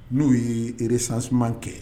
N'o ye resans kɛ